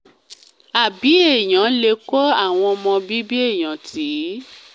Àbí èèyàn lè kó àwọn ọmọbíbí èèyàn tìí?